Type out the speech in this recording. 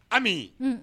Anmi